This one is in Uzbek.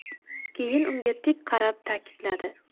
keyin unga tik qarab ta'kidladi